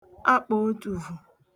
akpòotùvù